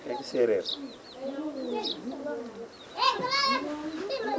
léegi séeréer